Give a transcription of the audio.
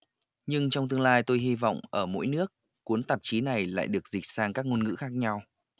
nhưng trong tương lai tôi hy vọng ở mỗi nước cuốn tạp chí này lại được dịch sang các ngôn ngữ khác nhau